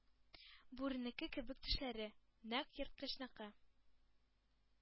Бүренеке кебек тешләре, нәкъ ерткычныкы